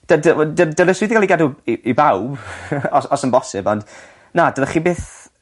Dy dy wel dy dyle swyddi ga'l 'u gadw i i bawb os os yn bosib ond na dyle chi byth